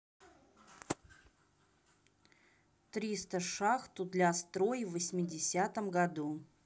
триста шахту для строй в восьмидесятом году